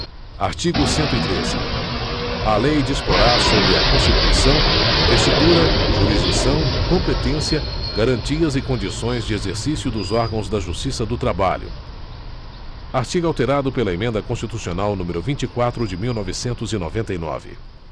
artigo cento e treze a lei disporá sobre a constituição investidura jurisdição competência garantias e condições de exercício dos órgãos da justiça do trabalho artigo alterado pela emenda constitucional número vinte e quatro de mil novecentos e noventa e nove